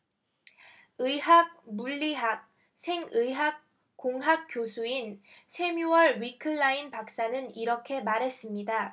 의학 물리학 생의학 공학 교수인 새뮤얼 위클라인 박사는 이렇게 말했습니다